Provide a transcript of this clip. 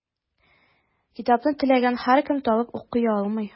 Китапны теләгән һәркем табып укый алмый.